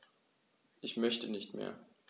Ich möchte nicht mehr.